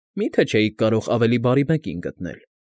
Մի՞թե չէիք կարող ավելի բարի մեկին գտնել։